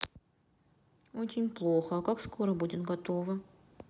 очень плохо а как скоро будет готова